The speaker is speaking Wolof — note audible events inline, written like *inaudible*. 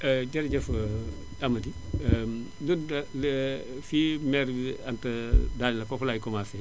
*hesitation* jërëjëf amady *noise* *hesitation* fi mère Anta daanelee foofu laay commencé